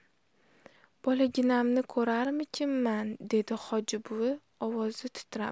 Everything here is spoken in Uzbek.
bolaginamni ko'rarmikinman dedi hoji buvi ovozi titrab